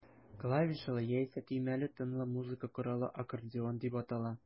Клавишалы, яисә төймәле тынлы музыка коралы аккордеон дип атала.